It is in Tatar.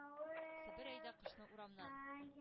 Себер әйдә кышны урамнан!